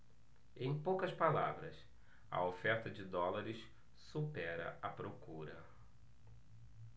em poucas palavras a oferta de dólares supera a procura